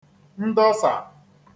ndọsà